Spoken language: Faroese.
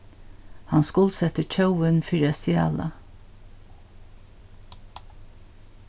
hann skuldsetti tjóvin fyri at stjala